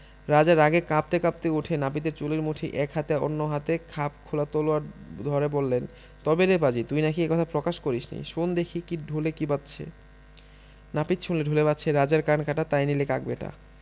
রাজা রাগে কাঁপতে কাঁপতে উঠে নাপিতের চুলের মুঠি এক হাতে আর অন্য হাতে খাপ খোলা তরোয়াল ধরে বললেন– তবে রে পাজি তুই নাকি এ কথা প্রকাশ করিসনি শোন দেখি ঢোলে কী বাজছে নাপিত শুনলে ঢোলে বাজছে ‘রাজার কান কাটা তাই নিলে কাক ব্যাটা